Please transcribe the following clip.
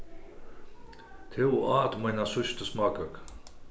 tú át mína síðstu smákøku